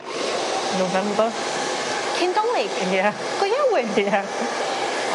November. Cyn 'Dolig? Ia. Go iawn? Ia.